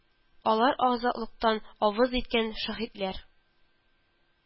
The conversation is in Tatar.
Алар азатлыктан авыз иткән шаһитлар